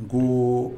Bon